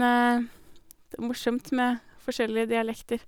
Det er morsomt med forskjellige dialekter.